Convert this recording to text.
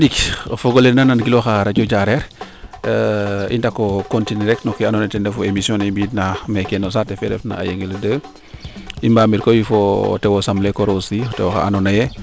bo ndiik o fogole na nan gilooxa o radio Diarekh i ndako continuer rek no ke ando naye ten refu emission ne i mbi iid na meeke no saate fe refna a yengele 2 i mbaamir koy fo o tewo samle koor aussi o tewoxa ando naye